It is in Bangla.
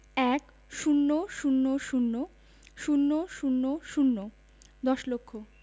১০০০০০০ দশ লক্ষ